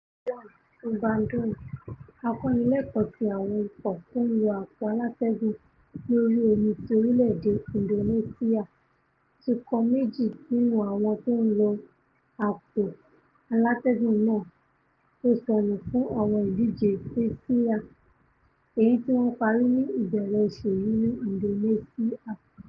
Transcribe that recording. Gendon Subandono, akọ́nilẹ́kọ̀ọ́ ti àwọn ikọ̀ tó ńlo àpò-alátẹ́gùn lórí omi ti orílẹ̀-èdè Indonesia, ti kọ́ méjì nínú àwọn tó ń lo àpò-alátẹgùn náà tó ṣọnù fún Àwọn Ìdíje Asia, èyití wọ́n parí ní ìbẹ̀rẹ̀ oṣù yìí ní Indonesia.